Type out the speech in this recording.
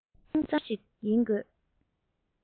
གཙང པོ ཡིན དགོས